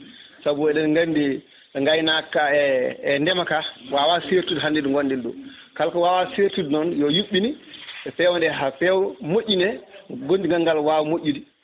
saabu eɗen gandi gaynaka e e ndeemaka wawa certude hande ɗo gonɗen ɗo kalko wawa certude noon yo yuɓɓine fewne ha fewa moƴƴine gondigal ngal wawa moƴƴude